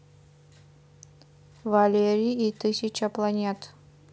валери и тысяча планет